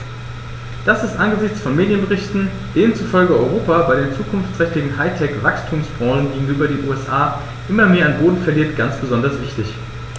Das ist angesichts von Medienberichten, denen zufolge Europa bei den zukunftsträchtigen High-Tech-Wachstumsbranchen gegenüber den USA immer mehr an Boden verliert, ganz besonders wichtig.